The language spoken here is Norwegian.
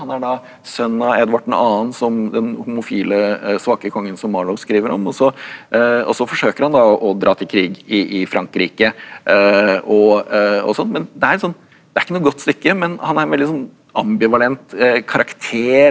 han er da sønn av Edvard den annen som den homofile svake kongen som Marlowe skriver om og så og så forsøker han da å å dra til krig i i Frankrike og og sånn men det er en sånn det er ikke noe godt stykke men han er en veldig sånn ambivalent karakter.